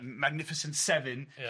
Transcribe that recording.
...M- Magnificent Seven. Ia.